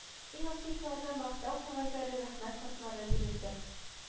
Иң активларына мактау кәгазьләре рәхмәт хатлары бирелде